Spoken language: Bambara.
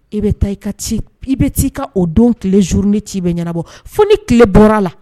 E bɛ taa i ci i bɛ taa i ka o don tile zuruuni ci i bɛ ɲɛnabɔ fo ni tile bɔra la